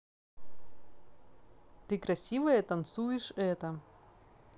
ты красивая танцуешь это